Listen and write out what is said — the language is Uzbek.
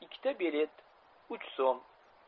ikkita bilet uch so'm